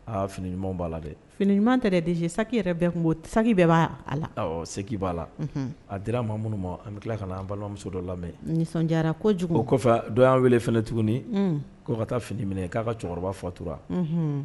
Aaa fini ɲumanw b'a la dɛ fini ɲuman tɛ dese sa yɛrɛ bɛ sa bɛɛ b'a seg b'a la a dira ma minnu ma an bɛ tila ka an balimamuso dɔ lamɛn nisɔn jarayara ko kojugu kɔfɛ dɔ y'an wele f tugunita fini minɛ k'a ka cɛkɔrɔba fɔtura